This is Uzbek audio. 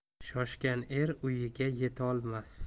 shoshgan er uyiga yetolmas